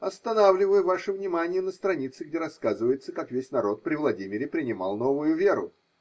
Останавливаю ваше внимание на странице, где рассказывается, как весь народ при Владимире принимал новую веру.